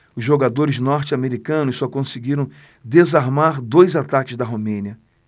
os jogadores norte-americanos só conseguiram desarmar dois ataques da romênia